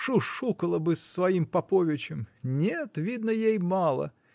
Шушукала бы с своим поповичем; нет, видно, ей мало.